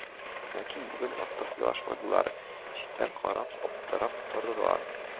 Ләкин бүген артык елышмадылар, читтән карап аптырап тордылар